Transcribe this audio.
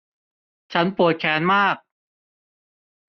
ฉันปวดแขนมาก